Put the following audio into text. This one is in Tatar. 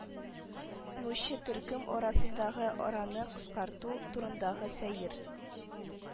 Нучы төркем арасындагы араны кыскарту турындагы сәер